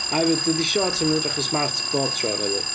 A hefyd dydy siorts ddim yn edrych yn smart bob tro nadi?